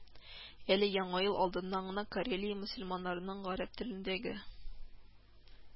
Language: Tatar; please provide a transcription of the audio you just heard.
Әле Яңа ел адыннан гына Карелия мөселманнарының гарәп телендәге